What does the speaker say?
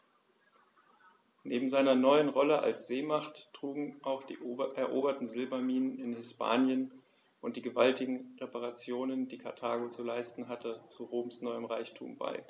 Neben seiner neuen Rolle als Seemacht trugen auch die eroberten Silberminen in Hispanien und die gewaltigen Reparationen, die Karthago zu leisten hatte, zu Roms neuem Reichtum bei.